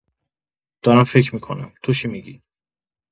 دارم فکر می‌کنم، تو چی می‌گی؟